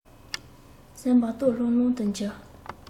སེམས པ སྟོང ལྷང ལྷང དུ གྱུར